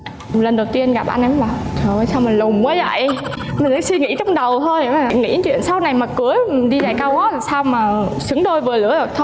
lần đầu tiên gặp anh ấy mới bảo trời ơi sao mà lùn quá dậy mới suy nghĩ trong đầu thôi nghĩ đến chuyện sau này mà cưới đi giày cao gót sao mà xứng đôi vừa lứa được thôi